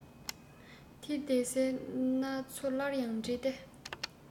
ཐེ རྡི སིའི གནའ མཚོ སླར ཡང བྲི སྟེ